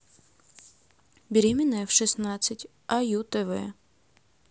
беременна в шестнадцать а ю тв